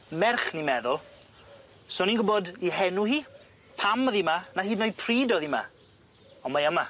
Merch ni'n meddwl, so ni'n gwbod 'i henw hi, pam o'dd 'i 'ma, na hyd yn oed pryd o'dd 'i 'ma, on' mae yma.